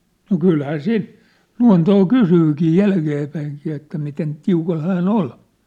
no kyllähän siinä luontoa kysyykin jälkeenpäinkin että miten tiukalla hän oli